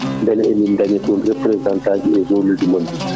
beele emin daña toon représentant aji e zone uji moon he